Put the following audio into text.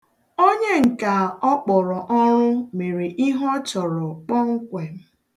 Onyenka ọ kpọrọ ọrụ mere ihe ọ chọrọ kpọmkwem.